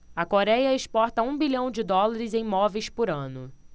a coréia exporta um bilhão de dólares em móveis por ano